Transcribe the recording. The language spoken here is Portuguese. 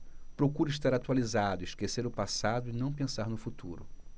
procuro estar atualizado esquecer o passado e não pensar no futuro